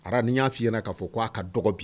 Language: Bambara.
Ara n'i y'a fɔ'i k'a fɔ k ko'a ka dɔgɔ bin